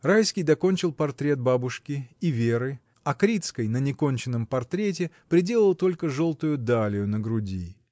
Райский докончил портрет бабушки и Веры, а Крицкой, на неконченном портрете, приделал только желтую далию на груди.